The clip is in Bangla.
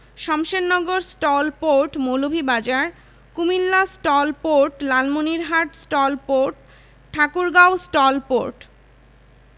কিশোরগঞ্জ জেলার ভৈরব ও ব্রাহ্মণবাড়িয়া জেলার আশুগঞ্জ উপজেলায় মেঘনা নদীর উপর বাংলাদেশ যুক্তরাজ্য মৈত্রী সেতু মানিকগঞ্জ জেলার ঘিওর উপজেলায় ধলেশ্বরী নদীর উপর ত্বরা সেতু